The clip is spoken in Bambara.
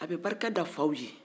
a bɛ barika da faw ye